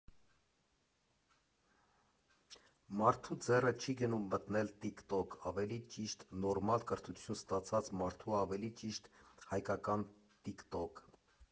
Մարդու ձեռը չի գնում մտնել Տիկ֊Տոկ, ավելի ճիշտ՝ նորմալ կրթություն ստացած մարդու ու ավելի ճիշտ՝ հայկական տիկ֊տոկ։